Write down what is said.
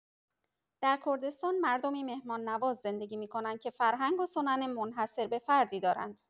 در کردستان، مردمی مهمان‌نواز زندگی می‌کنند که فرهنگ و سنن منحصر به فردی دارند.